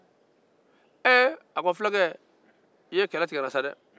a ko fulakɛ i ye kɛle tigɛ n na sa dɛ